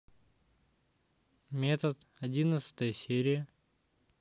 метод одиннадцатая серия